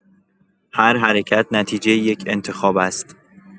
هر حرکت، نتیجه یک انتخاب است؛